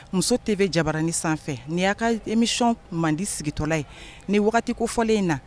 Muso de bɛ jaranin sanfɛ ni y'a ka imisɔn mande sigitɔla ye ni wagati ko fɔlen in na